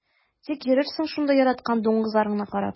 Тик йөрерсең шунда яраткан дуңгызларыңны карап.